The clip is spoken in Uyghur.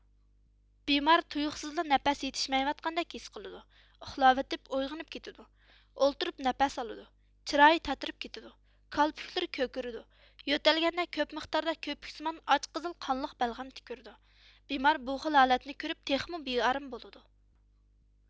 بىمار تۇيۇقسىزلا نەپەس يېتىشمەيۋاتقاندەك ھېس قىلىدۇ ئۇخلاۋېتىپ ئويغىنىپ كېتىدۇ ئولتۇرۇپ نەپەس ئالىدۇ چىرايى تاتىرىپ كېتىدۇ كالپۇكلىرى كۆكىرىدۇ يۆتەلگەندە كۆپ مىقداردا كۆپۈكسىمان ئاچ قىزىل قانلىق بەلغەم تۈكۈرىدۇ بىمار بۇ خىل ھالەتنى كۆرۈپ تېخىمۇ بىئارام بولىدى